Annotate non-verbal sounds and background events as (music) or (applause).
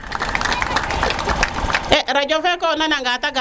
(applause) e rajo fe koy o nana nga te